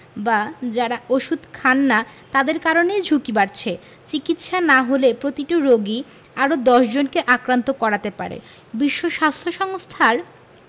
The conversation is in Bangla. বা যারা ওষুধ খান না তাদের কারণেই ঝুঁকি বাড়ছে চিকিৎসা না হলে প্রতিটি রোগী আরও ১০ জনকে আক্রান্ত করাতে পারে বিশ্ব স্বাস্থ্য সংস্থার